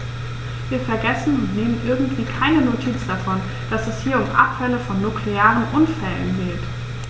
Wir vergessen, und nehmen irgendwie keine Notiz davon, dass es hier um Abfälle von nuklearen Unfällen geht.